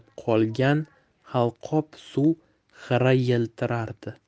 qolgan halqob suv xira yiltirardi